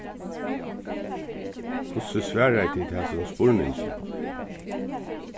hvussu svaraðu tit hasum spurninginum